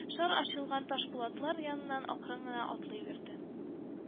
Шар ачылган ташпулатлар яныннан акрын гына атлый бирде